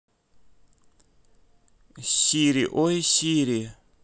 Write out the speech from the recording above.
сири ой сири